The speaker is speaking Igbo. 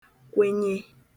kwenye